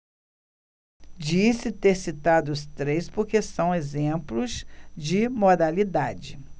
disse ter citado os três porque são exemplos de moralidade